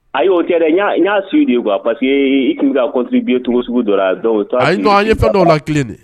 A' o kɛ n n y'a su de kuwa pa parce que ye i tun katigi bi t sugu dɔ dɔw ye dɔ la kelen de